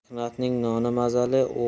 mehnatning noni mazali